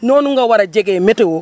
noonu nga war jegee météo